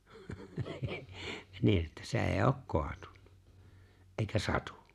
niin että se ei ole kaatunut eikä satu